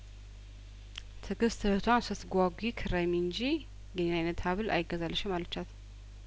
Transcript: ትግስት እህቷን ስትጓጉ ክረሚ እንጂ የኔን አይነት ሀብል አይገዛልሽም አለቻት